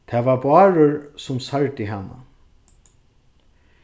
tað var bárður sum særdi hana